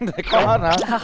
có hớt hả